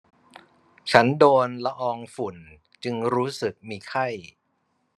ฉันโดนละอองฝนจึงรู้สึกมีไข้